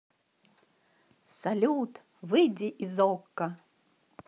салют выйди из okko